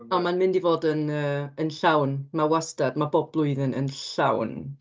A mae'n mynd i fod yn yy yn llawn. Mae wastad. Mae bob blwyddyn yn llawn.